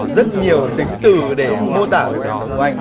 rất nhiều tính từ để mô tả về cuộc sống của anh